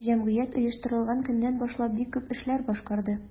Җәмгыять оештырылган көннән башлап бик күп эшләр башкарды.